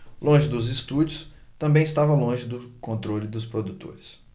longe dos estúdios também estava longe do controle dos produtores